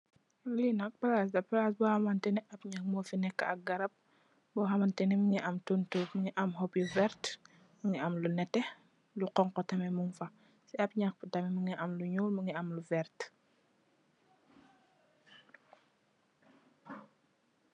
Lenak palace labuhamneh nga mufineka ak garap mu nge am tontor, mu nge am hoping uy verter mu nge am lu nette lu honko termjsi am naķ ciap bi tamit mu nge am lu nuur ak lu vert